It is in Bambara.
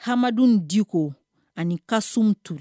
Hamadun Diko ani kasum Tur